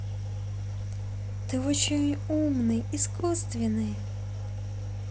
ты очень умный искусственный